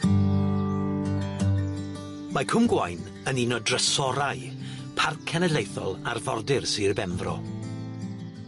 Mae Cwm Gwaun yn un o drysorau parc cenedlaethol arfordir Sir Benfro.